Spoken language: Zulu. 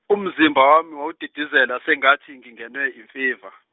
umzimba wami wawudidizela sengathi ngingenwe imfiva.